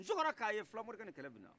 n sukola ka a ye fulamorikɛ ni kɛlɛ bɛ na